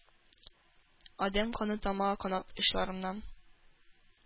Адәм каны тама канат очларымнан: